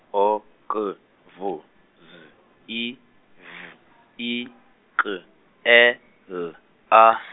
O K WU Z I V I K E L A .